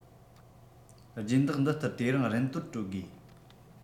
སྦྱིན བདག འདི ལྟར དེ རིང རིན དོད སྤྲོད དགོས